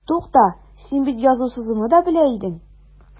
Тукта, син бит язу-сызуны да белә идең.